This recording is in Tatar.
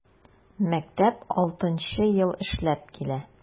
Мәктәп 6 нчы ел эшләп килә.